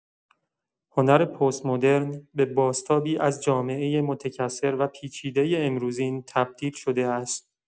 هنر پست‌مدرن، به بازتابی از جامعه متکثر و پیچیده امروزین تبدیل شده است.